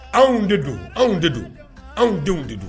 Anw de don anw de don anw denw de don